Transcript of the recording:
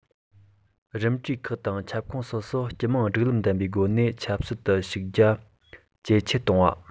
རིམ གྲས ཁག དང ཁྱབ ཁོངས སོ སོར སྤྱི དམངས སྒྲིག ལམ ལྡན པའི སྒོ ནས ཆབ སྲིད དུ ཞུགས རྒྱ ཇེ ཆེར གཏོང བ